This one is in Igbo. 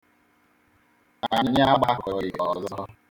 Anyị agbakọghị ọzọ.